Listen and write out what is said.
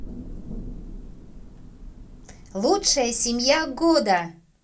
лучшая семья года